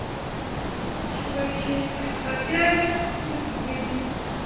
chipachip опять любви